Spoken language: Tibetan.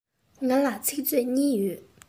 ང ལ ཚིག མཛོད གཉིས ཡོད